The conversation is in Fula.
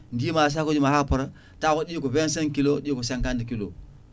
dima sakuji ma ha poota tawa ɗi ko 25 kilos ɗi ko 50 kilos